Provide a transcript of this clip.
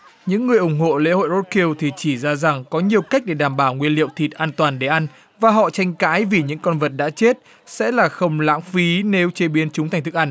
những người ủng hộ lễ hội rốt kêu thì chỉ ra rằng có nhiều cách để đảm bảo nguyên liệu thịt an toàn để ăn và họ tranh cãi vì những con vật đã chết sẽ là không lãng phí nếu chế biến chúng thành thức ăn